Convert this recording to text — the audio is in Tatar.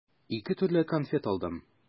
Ике төрле конфет алдым.